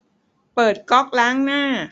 เปิดก๊อกล้างหน้า